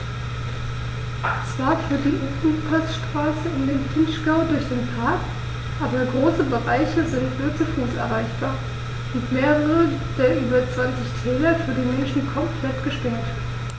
Zwar führt die Ofenpassstraße in den Vinschgau durch den Park, aber große Bereiche sind nur zu Fuß erreichbar und mehrere der über 20 Täler für den Menschen komplett gesperrt.